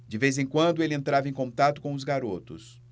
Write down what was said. de vez em quando ele entrava em contato com os garotos